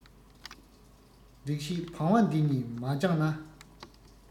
ལེགས བཤད བང བ འདི གཉིས མ སྦྱངས ན